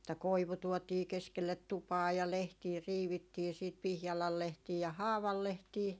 että koivu tuotiin keskelle tupaa ja lehtiä riivittiin sitten pihlajan lehtiä ja haavan lehtiä